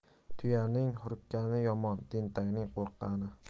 tuyaning hurkkani yomon tentakning qo'rqqani